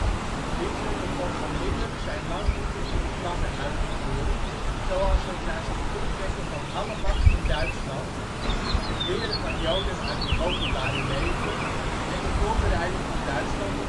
onmiddellijk zijn langgekoesterde plannen uit te voeren zoals het naar zich toe trekken van alle macht in Duitsland, het weren van Joden uit het openbare leven en de voorbereiding van Duitsland